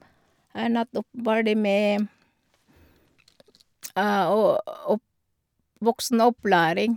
Er nettopp ferdig med å opp voksenopplæring.